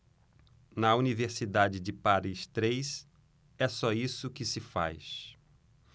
na universidade de paris três é só isso que se faz